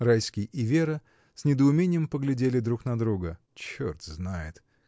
Райский и Вера с недоумением поглядели друг на друга. — Черт знает!